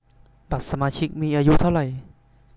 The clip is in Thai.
บัตรสมาชิกมีอายุเท่าไหร่